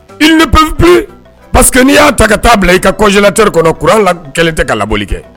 I nip paseke n'i y'a ta ka taa bila i ka kɔytɛre kɔnɔ k la kelen tɛ ka laolili kɛ